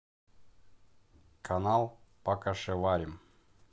канал покашеварим